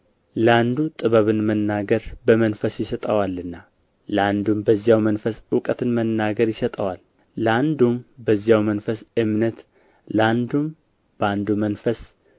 ለአንዱ ጥበብን መናገር በመንፈስ ይሰጠዋልና ለአንዱም በዚያው መንፈስ እውቀትን መናገር ይሰጠዋል ለአንዱም በዚያው መንፈስ እምነት ለአንዱም በአንዱ መንፈስ